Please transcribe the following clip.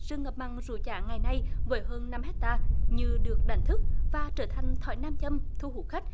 rừng ngập mặn rú chá ngày nay với hơn năm héc ta như được đánh thức và trở thành thỏi nam châm thu hút khách